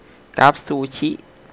กราฟซูชิ